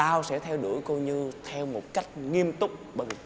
tao sẽ theo đuổi cô như theo một cách nghiêm túc bởi